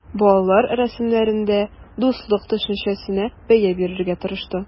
Балалар рәсемнәрендә дуслык төшенчәсенә бәя бирергә тырышты.